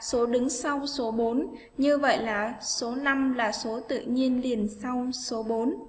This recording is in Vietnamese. số đứng sau số như vậy là số năm là số tự nhiên liền sau số